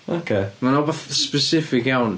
Ocê... Mae 'na rywbeth specific iawn.